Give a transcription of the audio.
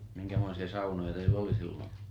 minkämoisia saunoja teillä oli silloin